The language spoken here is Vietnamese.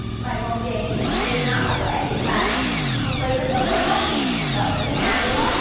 vậy còn chuyện vì nó mà tụi em bị phạt con bi nó tức tới mức bệnh ở nhà luôn á